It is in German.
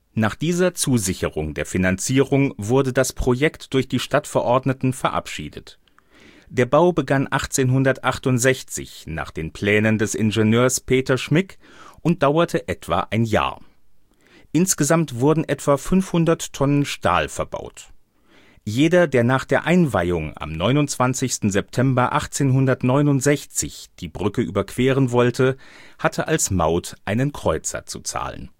Nach dieser Zusicherung der Finanzierung wurde das Projekt durch die Stadtverordneten verabschiedet. Der Bau begann 1868 nach den Plänen des Ingenieurs Peter Schmick und dauerte etwa ein Jahr. Insgesamt wurden etwa 500 Tonnen Stahl verbaut. Jeder, der nach der Einweihung am 29. September 1869 die Brücke überqueren wollte, hatte als Maut einen Kreuzer zu zahlen